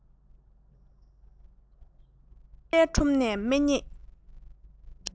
ལྷ སའི ཁྲོམ ནས མི རྙེད